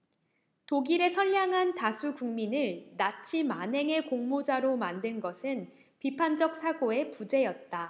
독일의 선량한 다수 국민을 나치 만행의 공모자로 만든 것은 비판적 사고의 부재였다